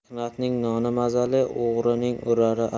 mehnatning noni mazali o'g'rining urari azali